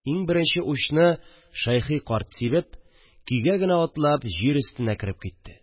Иң беренче учны Шәйхи карт сибеп, көйгә генә атлап җир өстенә кереп китте